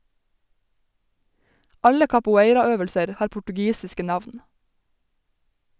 Alle capoeiraøvelser har portugisiske navn.